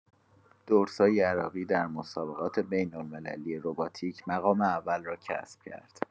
درسا یراقی، در مسابقات بین‌المللی روباتیک مقام اول را کسب کرد.